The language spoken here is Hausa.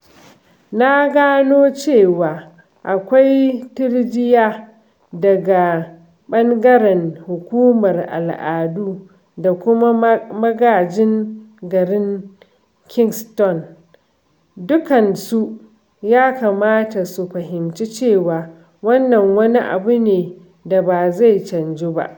Na gano cewa akwai tirjiya daga ɓangaren Hukumar Al'adu da kuma Magajin Garin Kingston. Dukkansu ya kamata su fahimci cewa wannan wani abu ne da ba zai canju ba.